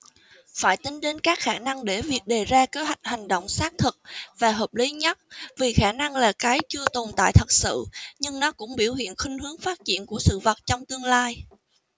phải tính đến các khả năng để việc đề ra kế hoạch hành động sát thực và hợp lý nhất vì khả năng là cái chưa tồn tại thật sự nhưng nó cũng biểu hiện khuynh hướng phát triển của sự vật trong tương lai